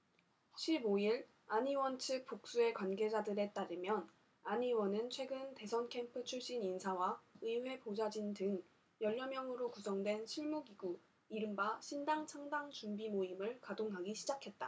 십 오 일 안 의원 측 복수의 관계자들에 따르면 안 의원은 최근 대선캠프 출신 인사와 의회 보좌진 등 열 여명으로 구성된 실무기구 이른바 신당창당준비모임을 가동 하기 시작했다